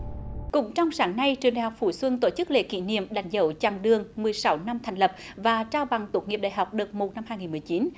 cũng trong sáng nay trường đại học phú xuân tổ chức lễ kỷ niệm đánh dấu chặng đường mười sáu năm thành lập và trao bằng tốt nghiệp đại học đợt một năm hai nghìn mười chín